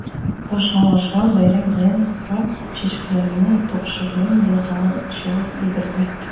Ашыга-ашыга бәйрәм белән котлап, чәчәкләремне тапшырдым да тагы чыгып йөгердем.